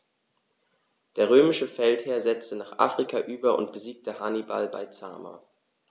Der römische Feldherr setzte nach Afrika über und besiegte Hannibal bei Zama.